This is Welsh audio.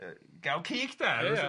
Yy gael cig de... Ia ia.